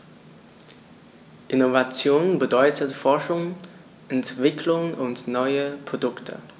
Innovation bedeutet Forschung, Entwicklung und neue Produkte.